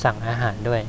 สั่งอาหารด้วย